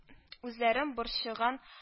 Үзләрен борчыган